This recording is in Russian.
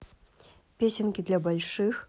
песенки для больших